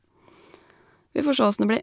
Vi får sjå åssen det blir.